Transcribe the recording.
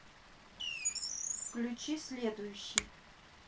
включи следующий